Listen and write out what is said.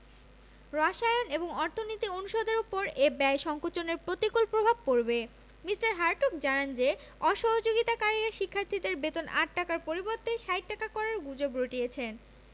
রসায়ন এবং অর্থনীতি অনুষদের ওপর এ ব্যয় সংকোচনের প্রতিকূল প্রভাব পড়বে মি. হার্টগ জানান যে অসহযোগিতাকারীরা শিক্ষার্থীদের বেতন ৮ টাকার পরিবর্তে ৬০ টাকা করার গুজব রটিয়েছে